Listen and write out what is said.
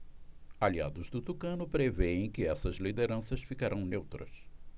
aliados do tucano prevêem que essas lideranças ficarão neutras